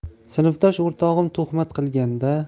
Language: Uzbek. sinfdosh o'rtog'im tuhmat qilganda